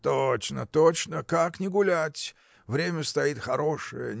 – Точно, точно, как не гулять: время стоит хорошее